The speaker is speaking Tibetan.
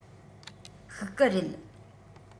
བཤིག གི རེད